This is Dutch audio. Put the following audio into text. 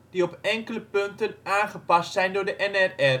die op enkele punten aangepast zijn door de NRR